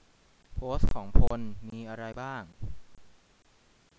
โพสต์ของพลมีอะไรบ้าง